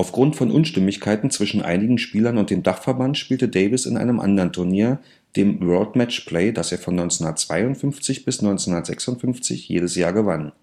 Grund von Unstimmigkeiten zwischen einigen Spielern und dem Dachverband spielte Davis in einem anderen Turnier, dem World Matchplay, das er von 1952 bis 1956 jedes Jahr